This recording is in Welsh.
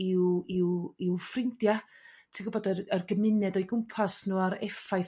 i'w i'w i'w ffrindia' ti'n gw'bod yr yr gymuned o'i gwmpas nhw a'r effaith